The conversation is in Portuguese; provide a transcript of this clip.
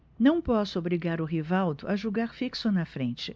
não posso obrigar o rivaldo a jogar fixo na frente